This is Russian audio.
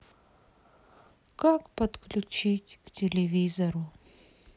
как подключить к телевизору